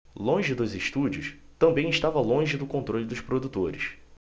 longe dos estúdios também estava longe do controle dos produtores